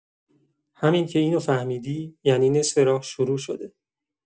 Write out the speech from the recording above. همین که اینو فهمیدی، یعنی نصف راه شروع شده.